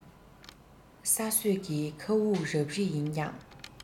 ས སྲོད ཀྱི མཁའ དབུགས རབ རིབ ཡིན ཀྱང